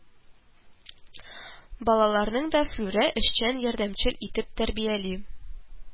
Балаларын да Флүрә эшчән, ярдәмчел итеп тәрбияли